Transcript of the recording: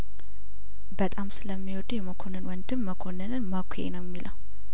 በጣም ስለሚ ወደው የመኮንን ወንድም መኮንንን መኳ ነው የሚለው